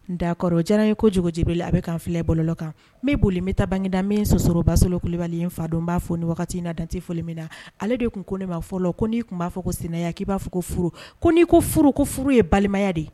Da kɔrɔ jara ye ko jjɛbe a bɛ kan filɛ bɔlɔ kan n boli bɛ bangeda min sɔsɔrɔbasololibali in fa don b'a fɔ ni wagati in na dante foli min na ale de tun ko ma fɔ ko n'i tun b'a fɔ ko senya k'i b'a fɔ ko furu ko n'i ko furu ko furu ye balimaya de ye